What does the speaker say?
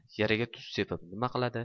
yaraga tuz sepib nima qiladi